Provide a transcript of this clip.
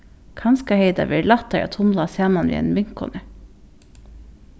kanska hevði tað verið lættari at tumla saman við eini vinkonu